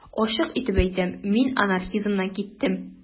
Ачык итеп әйтәм: мин анархизмнан киттем.